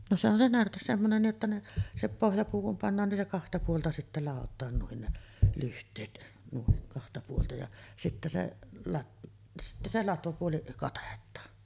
no se on se närte semmoinen niin että ne se pohjapuu kun pannaan niin se kahta puolta sitten ladotaan noin ne lyhteet noin kahta puolta ja sitten se - sitten se latvapuoli katetaan